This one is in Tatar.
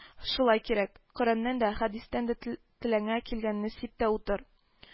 Шулай кирәк, Коръәннән дә, хәдистән дә телеңә килгәнне сип тә утыр